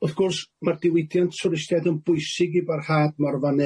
Yym wrth gwrs ma'r diwydiant twristiaeth yn bwysig i barhad Morfa